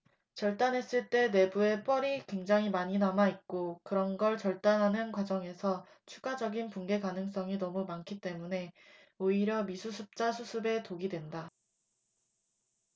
절단했을 때 내부에 뻘이 굉장히 많이 남아있고 그런 걸 절단하는 과정에서 추가적인 붕괴 가능성이 너무 많기 때문에 오히려 미수습자 수습에 독이 된다